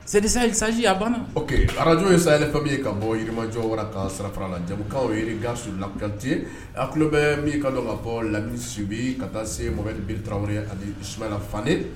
Sesasanji a banna o arajo ye say fɛn ye ka bɔ yirimajjɔ wɛrɛ ka sara farara la jakaw jira ka su lati a tulolo bɛ min ka ka bɔ lamisubi ka taa se m ni bitamya ani sula fan